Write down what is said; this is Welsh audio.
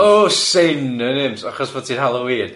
Oh sin-onyms achos bod hi'n Halloween.